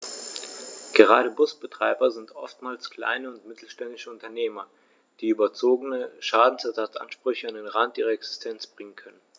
Gerade Busbetreiber sind oftmals kleine und mittelständische Unternehmer, die überzogene Schadensersatzansprüche an den Rand ihrer Existenz bringen können.